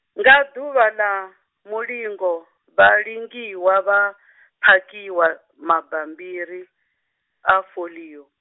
nga ḓuvha ḽa, mulingo, vhalingiwa vha, phakhiwa, mabambiri, a foḽio.